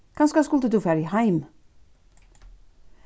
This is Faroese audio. kanska skuldi tú farið heim